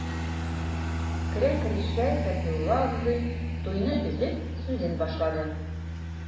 Керә-керешкә Сафиулла абзый, туйны өзеп, сүзен башлады.